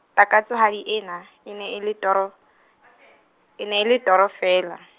takatsohadi ena, ene ele toro , ene ele toro feela.